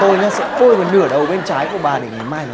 tôi nhá sẽ bôi vào nửa đầu bên trái của bà để ngày mai